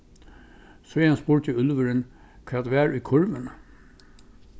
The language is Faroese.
síðani spurdi úlvurin hvat var í kurvini